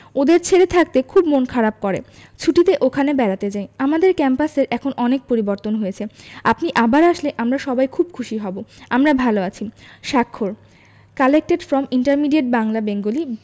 ওদের ছেড়ে থাকতে খুব মন খারাপ করে ছুটিতে ওখানে বেড়াতে যাই আমাদের ক্যাম্পাসের এখন অনেক পরিবর্তন হয়েছে আপনি আবার আসলে আমরা সবাই খুব খুশি হব আমরা ভালো আছি স্বাক্ষর collected from intermediate Bangla Bengali